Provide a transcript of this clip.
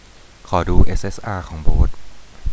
ขอดูเอสเอสอาของโบ๊ท